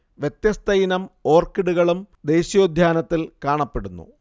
വ്യത്യസ്ത ഇനം ഓർക്കിഡുകളും ദേശീയോദ്യാനത്തിൽ കാണപ്പെടുന്നു